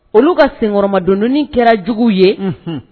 Olu ka senkɔrɔmadond kɛra jugu ye